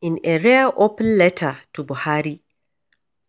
In a rare open letter to Buhari,